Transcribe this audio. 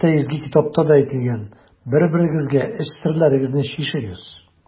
Хәтта Изге китапта да әйтелгән: «Бер-берегезгә эч серләрегезне чишегез».